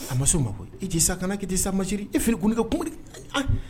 A ma se o ma i je sa kan'a kɛ ten sa ma chérie e fɛnɛ o n'i ka kuma de